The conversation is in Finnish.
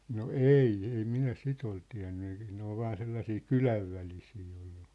no ei ei minä sitä ole tiennyt ei ne oli vain sellaisia kylänvälisiä ollut